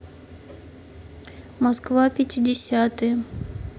москва пятидесятые